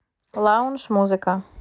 лаунж музыка